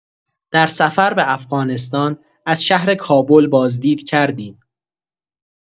در سفر به افغانستان، از شهر کابل بازدید کردیم.